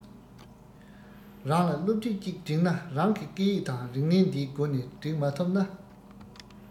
རང ལ སློབ དེབ ཅིག སྒྲིག ན རང གི སྐད ཡིག དང རིག གནས འདིའི སྒོ ནས སྒྲིག མ ཐུབ ན